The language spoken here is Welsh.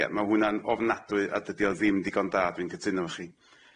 Ie ma' hwnna'n ofnadwy a dydi o ddim digon da dwi'n cytuno efo chi.